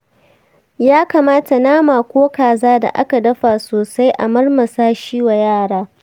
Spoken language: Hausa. ya kamata nama ko kaza da aka dafa sosai a marmasa shi wa yara.